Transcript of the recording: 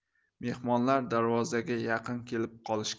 mehmonlar darvozaga yaqin kelib qolishgan